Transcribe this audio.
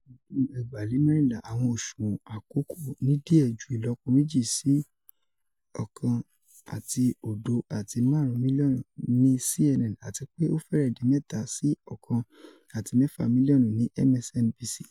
Lati ọdun 2014, awọn oṣuwọn akoko ni diẹ ju ilọpo meji si 1.05 milionu ni CNN ati pe o fẹrẹ di mẹta si 1.6 milionu ni MSNBC.